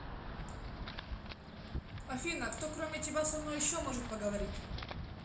афина кто кроме тебя со мной еще может поговорить